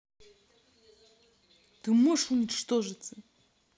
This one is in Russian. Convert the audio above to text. ты можешь уничтожиться